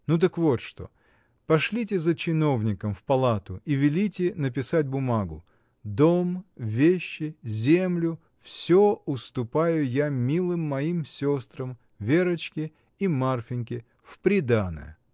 Ну так вот что: пошлите за чиновником в палату и велите написать бумагу: дом, вещи, землю — всё уступаю я милым моим сестрам, Верочке и Марфиньке, в приданое.